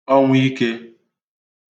ọnwụ ikē